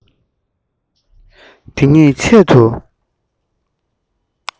འདི གཉིས ཆེད དུ